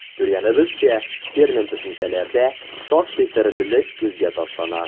Күргәнебезчә, термин-төшенчәләрдә шактый төрлелек күзгә ташлана.